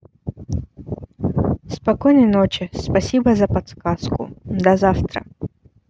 спокойной ночи спасибо за подсказку до завтра